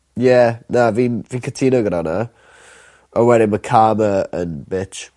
ie na fi'n fi' cytuno gyda wnna. A wedyn ma' Karma yn bitch.